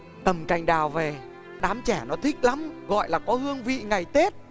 cầm cành đào về đám trẻ nó thích lắm gọi là có hương vị ngày tết